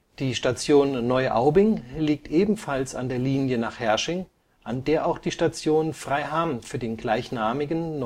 Die Station Neuaubing liegt ebenfalls an der Linie nach Herrsching, an der auch die Station Freiham für den gleichnamigen